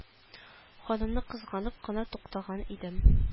Ханымны кызганып кына туктаган идем